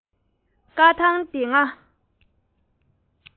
བཀའ ཐང ལྡེ ལྔ